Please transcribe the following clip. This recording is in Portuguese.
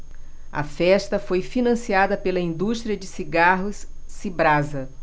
a festa foi financiada pela indústria de cigarros cibrasa